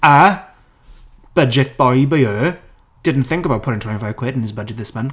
Yy? Budget boy by here didn't think about putting 25 quid in his budget this month.